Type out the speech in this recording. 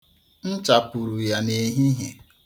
M chapuru ya n'ehihie.